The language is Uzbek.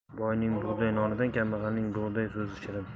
boyning bug'doy nonidan kambag'alning bug'doy so'zi yaxshi